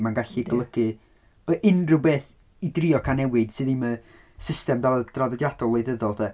Mae'n gallu golygu unrhyw beth i drio cael newid, sydd ddim y system dar- draddodiadol wleidyddol de.